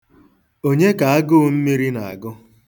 Onye ka agụụ mmiri na-agụ?